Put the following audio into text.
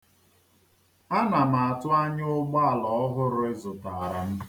ana m atụ anya ụgbọala ọhụrụ ị zutara m